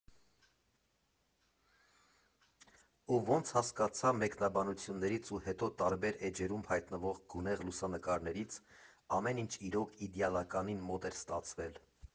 Ու ոնց հասկացա մեկնաբանություններից ու հետո տարբեր էջերում հայտնվող գունեղ լուսանկարներից՝ ամեն ինչ իրոք իդեալականին մոտ էր ստացվել։